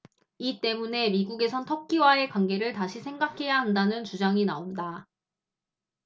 이 때문에 미국에선 터키와의 관계를 다시 생각해야 한다는 주장이 나온다